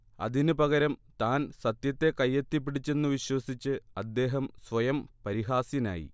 അതിന് പകരം താൻ സത്യത്തെ കയ്യെത്തിപ്പിടിച്ചെന്ന് വിശ്വസിച്ച് അദ്ദേഹം സ്വയം പരിഹാസ്യനായി